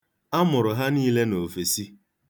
A mụrụ ha niile n'ofesi.